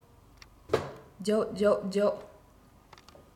རྒྱུགས རྒྱུགས རྒྱུགས